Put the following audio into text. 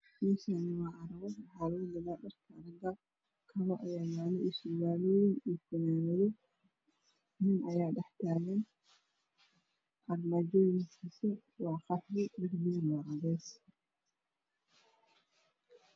Meeshaan waa carwo waxaa lugu gadaa dhar raga waxaa yaalo kabo iyo surwaalo iyo fanaanado nin ayaa dhex taagan. Armaajada suke waa qaxwi mida kalana waa cadeys.